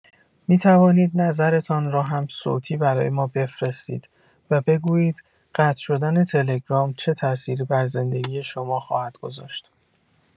می‌توانید نظرتان را هم صوتی برای ما بفرستید و بگویید قطع شدن تلگرام چه تاثیری بر زندگی شما خواهد گذاشت.